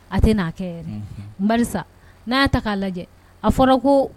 A tɛ n'a kɛ yɛrɛ unhun nbarisa n'aa ta k'a lajɛ a fɔra koo